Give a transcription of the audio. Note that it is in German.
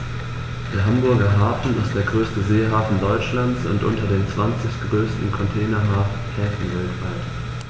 Der Hamburger Hafen ist der größte Seehafen Deutschlands und unter den zwanzig größten Containerhäfen weltweit.